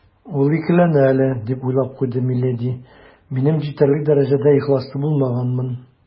«ул икеләнә әле, - дип уйлап куйды миледи, - минем җитәрлек дәрәҗәдә ихласлы булмаганмын».